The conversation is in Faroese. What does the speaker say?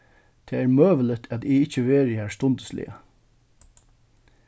tað er møguligt at eg ikki verði har stundisliga